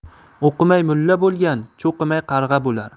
o'qimay mulla bo'lgan cho'qimay qarg'a bo'lar